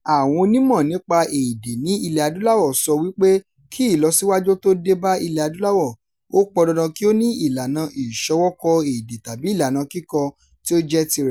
Àwọn onímọ̀ nípa èdè ní Ilẹ̀-Adúláwọ̀ sọ wí pé kí ìlọsíwájú ó tó dé bá Ilẹ̀ Adúláwọ̀, ó pọn dandan kí ó ní ìlànà ìṣọwọ́ kọ èdè tàbí ìlànà kíkọ tí ó jẹ́ tirẹ̀.